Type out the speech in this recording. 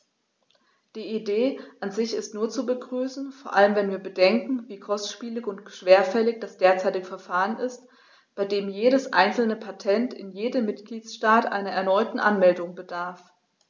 Die Idee an sich ist nur zu begrüßen, vor allem wenn wir bedenken, wie kostspielig und schwerfällig das derzeitige Verfahren ist, bei dem jedes einzelne Patent in jedem Mitgliedstaat einer erneuten Anmeldung bedarf.